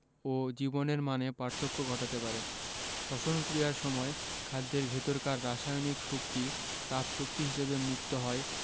ও জীবনের মানে পার্থক্য ঘটাতে পারে শ্বসন ক্রিয়ার সময় খাদ্যের ভেতরকার রাসায়নিক শক্তি তাপ শক্তি হিসেবে মুক্ত হয়